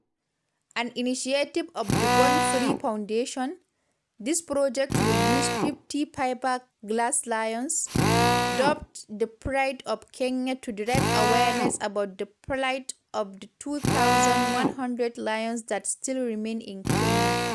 An initiative of the Born Free Foundation, this project will use 50 fiberglass lions, dubbed ‘the Pride of Kenya‘ to drive awareness about the plight of the 2,100 lions that still remain in Kenya.